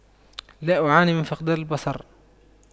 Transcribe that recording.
لا أعاني من فقدان البصر